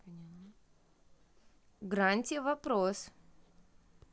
гранти вопрос